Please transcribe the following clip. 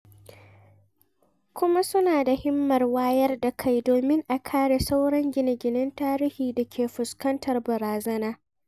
Kuma suna da himmar wayar da kai domin a kare sauran gine-gine tarihi da suke fuskantar barazana.